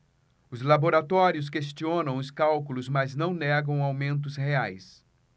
os laboratórios questionam os cálculos mas não negam aumentos reais